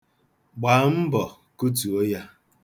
Gbaa mbọ kụtuo ya!